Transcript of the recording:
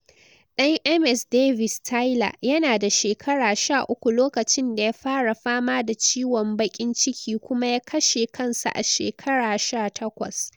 ‘Dan Ms Davis, Tyler, yana da shekara 13 lokacin da ya fara fama da ciwon bakin ciki kuma ya kashe kansa a shekara 18.